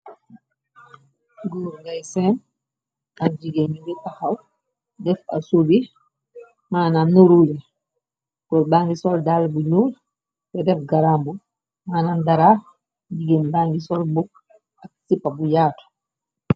Goor ngay seen ak jigéenni bi taxaw def asuubi. Mënam nurule kol bangi soldal bu ñuur te def garambu. Mënana daraa jigéen bangi sol bukk ak sipa bu yaatu.